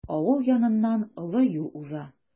Авыл яныннан олы юл уза.